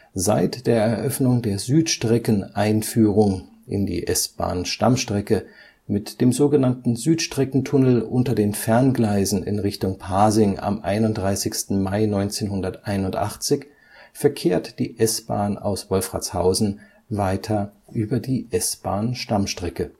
Seit der Eröffnung der Südstreckeneinführung in die S-Bahn-Stammstrecke mit dem sogenannten Südstreckentunnel unter den Ferngleisen in Richtung Pasing am 31. Mai 1981 verkehrt die S-Bahn aus Wolfratshausen weiter über die S-Bahn-Stammstrecke